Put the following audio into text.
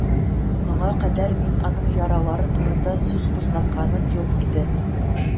Моңа кадәр мин аның яралары турында сүз кузгатканым юк иде